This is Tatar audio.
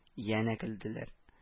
Янә көлделәр